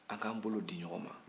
an k'an bolo di ɲɔgɔn ma